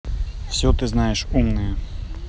все ты знаешь умная